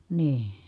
niin